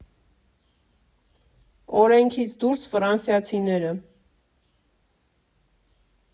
Օրենքից դուրս ֆրանսիացիները։